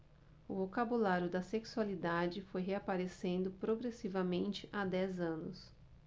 o vocabulário da sexualidade foi reaparecendo progressivamente há dez anos